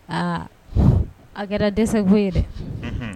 Aa, a kɛra dɛsɛseko ye dɛ, unhun